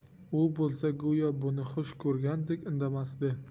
u bo'lsa go'yo buni xush ko'rgandek indamasdi